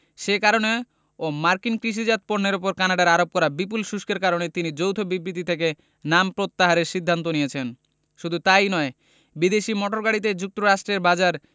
সে কারণে ও মার্কিন কৃষিজাত পণ্যের ওপর কানাডার আরোপ করা বিপুল শুল্কের কারণে তিনি যৌথ বিবৃতি থেকে নাম প্রত্যাহারের সিদ্ধান্ত নিয়েছেন শুধু তা ই নয় বিদেশি মোটর গাড়িতে যুক্তরাষ্ট্রের বাজার